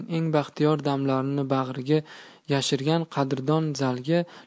eng baxtiyor damlarini bag'riga yashirgan qadrdon zalga